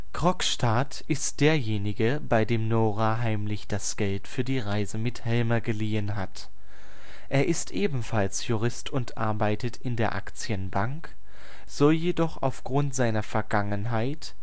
Krogstad ist derjenige, bei dem Nora heimlich das Geld für die Reise mit Helmer geliehen hat. Er ist ebenfalls Jurist und arbeitet auch in der Aktienbank, soll jedoch aufgrund seiner Vergangenheit